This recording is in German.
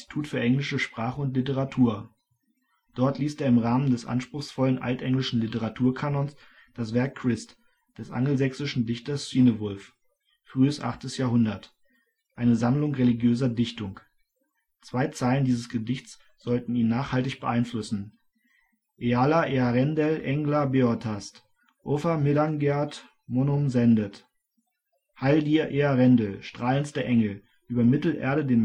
für englische Sprache und Literatur. Dort liest er im Rahmen des anspruchsvollen altenglischen Literaturkanons das Werk Crist des angelsächsischen Dichters Cynewulf (frühes 8. Jahrhundert), eine Sammlung religiöser Dichtung. Zwei Zeilen dieses Gedichtes sollten ihn nachhaltig beeinflussen: Eala Earendel engla beorhtast ofer middangeard monnum sended Heil dir Earendel, strahlendster Engel, über Mittelerde